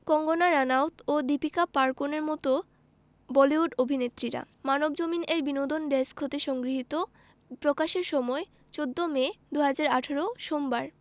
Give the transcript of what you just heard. কঙ্গনা রানাউত ও দীপিকা পাড়–কোনের মতো বলিউড অভিনেত্রীরা মানবজমিন এর বিনোদন ডেস্ক হতে সংগৃহীত প্রকাশের সময় ১৪ মে ২০১৮ সোমবার